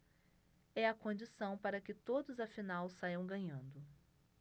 é a condição para que todos afinal saiam ganhando